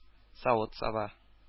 Савыт-саба